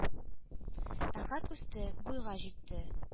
Әхәт үсте, буйга җитте.